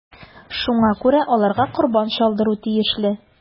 Шуңа күрә аларга корбан чалдыру тиешле.